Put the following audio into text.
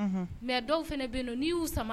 Mɛ dɔw fana bɛ n y'u sama